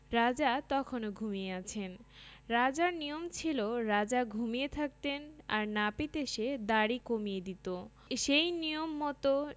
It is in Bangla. রাজা তখনও ঘুমিয়ে আছেন রাজার নিয়ম ছিল রাজা ঘুমিয়ে থাকতেন আর নাপিত এসে দাঁড়ি কমিয়ে দিত সেই নিয়ম মত